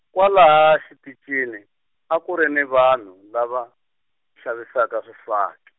kwalaha xiticini, a ku ri ni vanhu lava, xavisaka swifat- .